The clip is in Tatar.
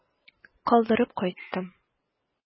Калдырып кайттым.